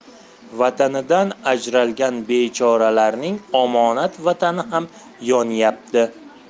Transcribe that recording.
vatanidan ajralgan bechoralarning omonat vatani ham yonyapti